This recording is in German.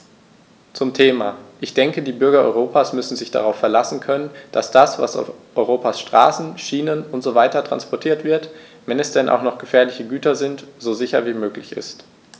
Zum Thema: Ich denke, die Bürger Europas müssen sich darauf verlassen können, dass das, was auf Europas Straßen, Schienen usw. transportiert wird, wenn es denn auch noch gefährliche Güter sind, so sicher wie möglich ist.